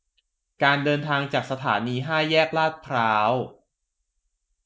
การเดินทางจากสถานีห้าแยกลาดพร้าว